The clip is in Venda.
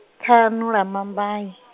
ṱhanu lamambai.